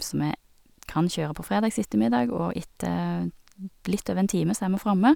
Så vi kan kjøre på fredags ettermiddag, og etter litt over en time så er vi framme.